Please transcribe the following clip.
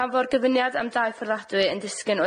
Pan fo'r gyfuniad am dai fforddiadwy yn disgyn o dan